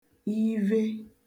ive